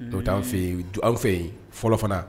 O bɛ taaan fɛ yen aw fɛ yen fɔlɔ fana